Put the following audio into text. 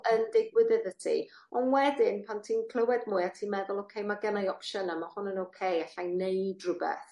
yn digwydd iddo ti. On' wedyn pan ti'n clywed mwy a ti'n meddwl oce ma' gennai opsiyne ma' hwn yn oce allai neud rwbeth